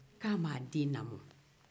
ko a ma a den lamɔ